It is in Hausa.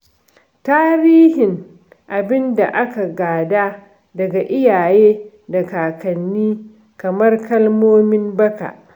Tarihin abin da aka gada daga iyaye da kakanni - kamar kalmomin baka